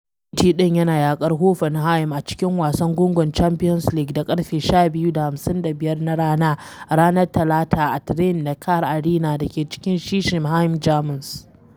City ɗin yana yakar Hoffenheim a cikin wasan gungun Champions League da ƙarfe 12:55 na rana a ranar Talata at Rhein-Neckar-Arena da ke cikin Sinsheim, Jamus.